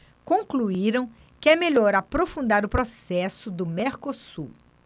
concluíram que é melhor aprofundar o processo do mercosul